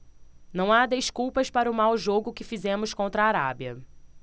não há desculpas para o mau jogo que fizemos contra a arábia